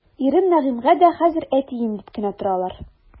Ирем Нәгыймгә дә хәзер әтием дип кенә торалар.